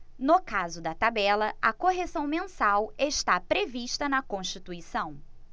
no caso da tabela a correção mensal está prevista na constituição